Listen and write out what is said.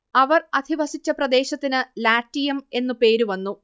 അവർ അധിവസിച്ച പ്രദേശത്തിന് ലാറ്റിയം എന്നു പേര് വന്നു